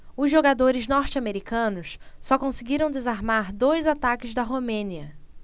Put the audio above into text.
os jogadores norte-americanos só conseguiram desarmar dois ataques da romênia